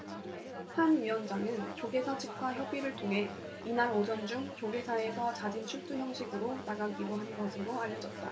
한 위원장은 조계사 측과 협의를 통해 이날 오전 중 조계사에서 자진출두 형식으로 나가기로 한 것으로 알려졌다